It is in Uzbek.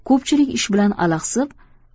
ko'pchilik ish bilan alaxsib